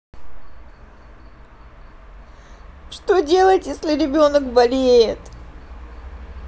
что делать если ребенок болеет